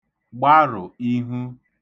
gbarụ̀ ihu